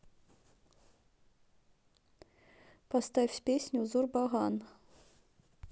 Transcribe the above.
поставь песню зурбаган